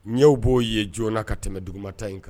Ɲɛw b'o ye joona ka tɛmɛ dugubata in kan